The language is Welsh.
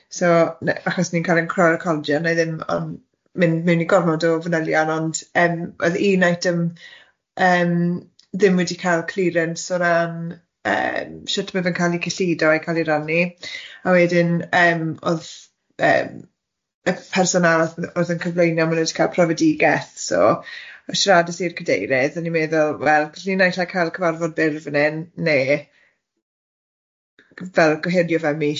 so n- achos ni'n cael ein cro- recordio wna i ddim yn mynd mewn i gormod o fanylion ond yym oedd un eitem yym ddim wedi cael clearance o ran yym shwt ma' fe'n cal i cyllido a'i cael ei rannu a wedyn yym, oedd yym y person arall oedd yn cyflwyno maen nhw wedi cael profedigaeth so a siaradais i'r cadeirydd a o'n i'n meddwl wel gallwn ni naill ai cael cyfarfod byr fan hyn ne fel gohuirio fe mish.